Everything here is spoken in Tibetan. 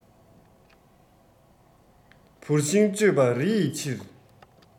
བུར ཤིང གཅོད པ རི ཡི ཕྱིར